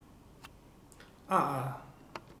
ཨ ཨ